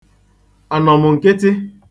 ànọ̀m̀ǹkịtị